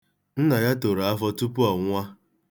Nna ya toro afọ tupu ọ nwụọ.